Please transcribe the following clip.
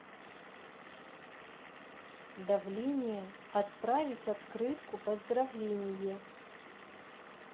давление отправить открытку поздравление